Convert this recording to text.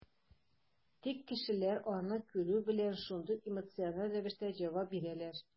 Тик кешеләр, аны күрү белән, шундук эмоциональ рәвештә җавап бирәләр.